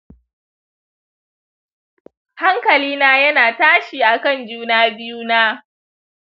hankalina yana tashi akan juna biyu na